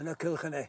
Yn y cylch yne.